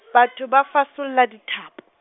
batho ba fasolla dithapo.